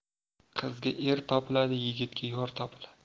qizga er topiladi yigitga yor topiladi